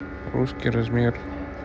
русский размер